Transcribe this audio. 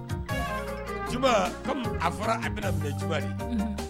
Nci a fɔra a bɛna filɛ